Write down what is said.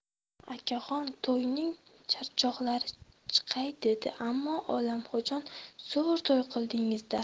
akaxon to'yning charchoqlari chiqay dedimi ammo olamjahon zo'r to'y qildingiz da